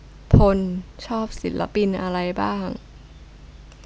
พลชอบศิลปินอะไรบ้าง